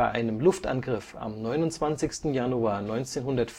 einem Luftangriff am 29. Januar 1944